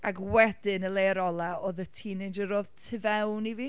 Ac wedyn y layer ola oedd y teenager oedd tu fewn i fi.